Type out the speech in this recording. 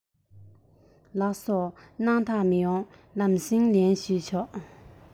ལགས སོ སྣང དག མི ཡོང ལམ སེང ལན ཞུས ཆོག